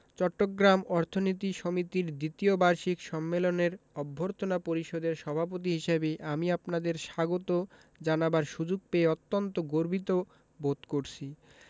চট্টগ্রাম অর্থনীতি সমিতির দ্বিতীয় বার্ষিক সম্মেলনের অভ্যর্থনা পরিষদের সভাপতি হিসেবে আমি আপনাদের স্বাগত জানাবার সুযোগ পেয়ে অত্যন্ত গর্বিত বোধ করছি